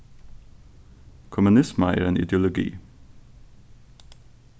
kommunisma er ein ideologi